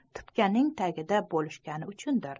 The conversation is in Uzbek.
tupkanning tubida bo'lishgani uchundir